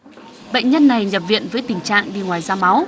bệnh nhân này nhập viện với tình trạng đi ngoài ra máu